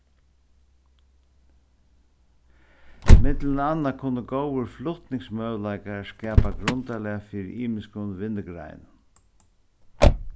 millum annað kunnu góðir flutningsmøguleikar skapa grundarlag fyri ymiskum vinnugreinum